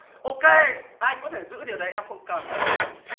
ô kê anh có thể giữ điều đấy em không cần ô kê